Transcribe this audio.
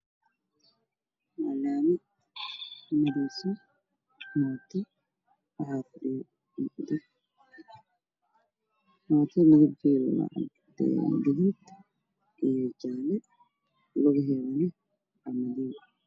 Meeshan waxaa fadhiya hal nin wuxuu wata shati cadaan ah sarwayn madowga iyo suudu buluug ah